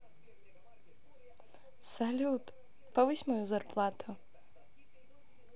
салют повысь мою зарплату